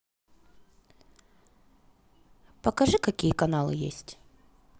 покажи какие каналы есть